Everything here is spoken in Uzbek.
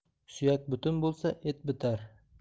suyak butun bo'lsa et bitar